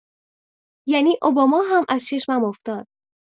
یعنی اوباما هم از چشمم افتاد.